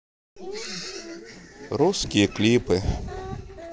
русские клипы